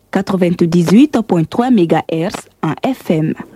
Katotdizou tap cogoya min ka ɛ an e fɛ ma